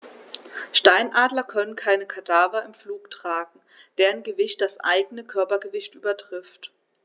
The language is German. Steinadler können keine Kadaver im Flug tragen, deren Gewicht das eigene Körpergewicht übertrifft.